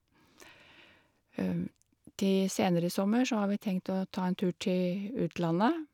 ti Senere i sommer så har vi tenkt til å ta en tur til utlandet.